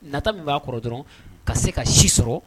Nata min b'a kɔrɔ dɔrɔn ka se ka si sɔrɔ